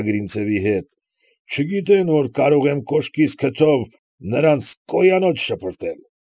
Ագրինցևի հետ։ Չգիտեն, որ կարող եմ կոշկիս քթով նրանց կոյանոց շպրտել»։